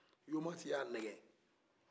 yomati ye a nɛgɛ